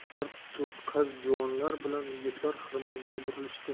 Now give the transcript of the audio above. bir to'p qiz juvonlar bilan yigitlar xirmonga burilishdi